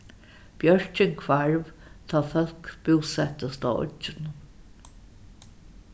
bjørkin hvarv tá fólk búsettust á oyggjunum